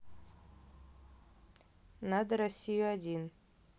надо россию один